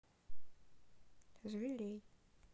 зверей